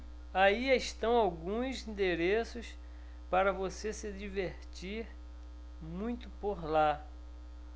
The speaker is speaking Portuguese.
aí estão alguns endereços para você se divertir muito por lá